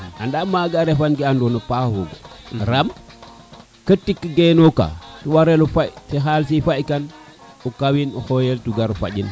anda magan refa ke ando nan paaxo raam ke tig genu ka te ware lo paƴ te xalis pay kan o kawin o xeyel te gar a faƴu